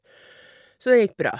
Så det gikk bra.